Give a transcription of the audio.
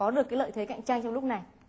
có được cái lợi thế cạnh tranh trong lúc này